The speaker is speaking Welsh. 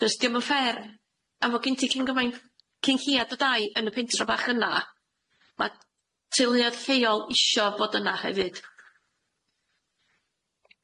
Chos diom yn ffer a fo gin ti lliant gymaint cyn hiad y dau yn y pentre bach yna ma' teuluodd lleol isio fod yna hefyd.